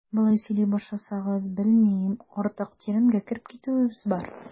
Болай сөйли башласагыз, белмим, артык тирәнгә кереп китүебез бар.